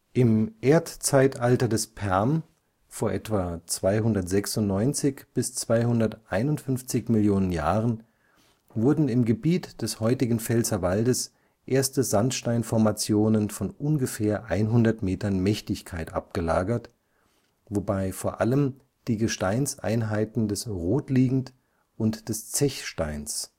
Im Erdzeitalter des Perm (vor etwa 296 – 251 Millionen Jahren) wurden im Gebiet des heutigen Pfälzerwaldes erste Sandsteinformationen von ungefähr 100 Metern Mächtigkeit abgelagert, wobei vor allem die Gesteinseinheiten des Rotliegend und des Zechsteins